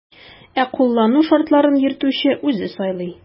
Ә кулланылу шартларын йөртүче үзе сайлый.